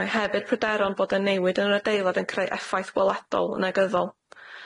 Mae hefyd pryderon bod y newid yn yr adeilad yn creu effaith gweledol negyddol.